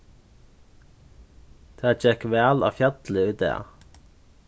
tað gekk væl á fjalli í dag